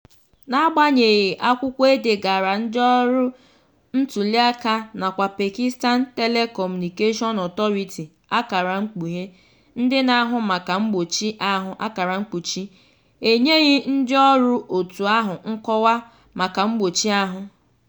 N'agbanyeghị akwụkwọ e degaara ndịọrụ ntuliaka nakwa Pakistan Telecommunication Authority (ndị na-ahụ maka mgbochi ahụ), enyeghị ndịọrụ òtù ahụ nkọwa maka mgbochi ahụ.